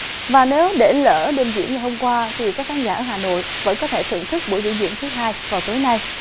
và nếu để lỡ đêm diễn ngày hôm qua thì các khán giả ở hà nội vẫn có thể thưởng thức buổi biểu diễn thứ hai vào tối nay